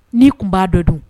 Ni tun b'a dɔn dun?